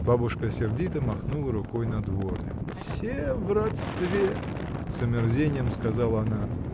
Бабушка сердито махнула рукой на дворню. — Все в родстве! — с омерзением сказала она.